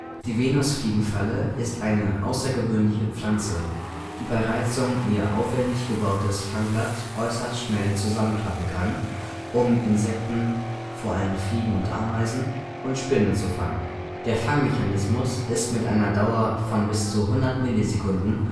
Die Venusfliegenfalle ist eine außergewöhnliche Pflanze, die bei Reizung ihr aufwändig gebautes Fangblatt äußerst schnell zusammenklappen kann, um Insekten (vor allem Fliegen, Ameisen) und Spinnen zu fangen. Der Fangmechanismus ist mit einer Dauer von bis zu 100 Millisekunden